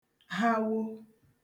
hawo